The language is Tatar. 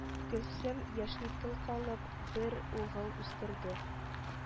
Гөлсем, яшьли тол калып, бер угыл үстерде